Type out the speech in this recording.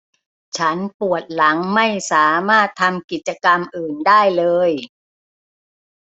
ฉันปวดหลังไม่สามารถทำกิจกรรมอื่นได้เลย